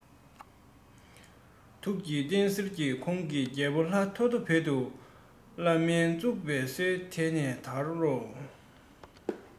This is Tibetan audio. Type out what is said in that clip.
ཐུགས ཀྱི རྟེན གསེར གྱི ཁོང གིས རྒྱལ པོ ལྷ ཐོ ཐོ བོད དུ བླ སྨན འཛུགས པའི སྲོལ དེ ནས དར རོ